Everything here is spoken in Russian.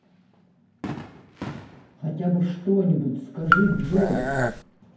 хотя бы что нибудь скажи джой